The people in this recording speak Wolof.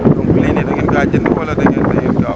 donc lii nii yëpp da ngeen kaa jënd wala da ngeen *